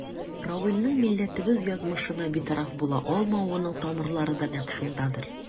Равилнең милләтебез язмышына битараф була алмавының тамырлары да нәкъ шундадыр.